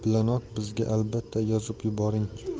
bizga albatta yozib yuboring